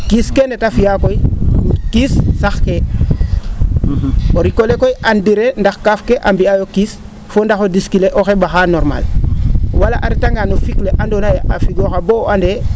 kiis keene te fiyaa koy kiis sax kee o rik ole koy anddiree ndax kaaf ke a mbiyaayo kiis fo ndax o disque le oxey ?axaa normale wala a retanga no fik le andoona yee a figooxaa boo o andee